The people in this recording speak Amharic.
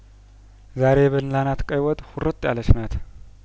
ዛሬ የበላናት ቀይወጥ ሁርጥ ያለችናት